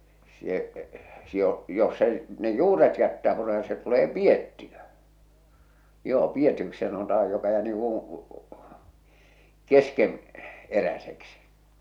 se sitten on jos se ne juuret jättää purematta se tulee piettiö joo piettiöksi se sanotaan joka jää niin kuin - keskeneräiseksi